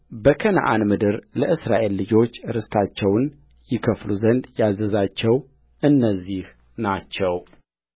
በከነዓን ምድር ለእስራኤል ልጆች ርስታቸውን ይከፍሉ ዘንድ ያዘዛቸው እነዚህ ናቸው